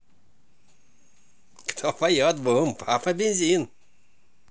кто поет бум папа бензин